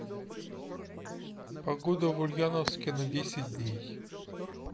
погода в ульяновске на десять дней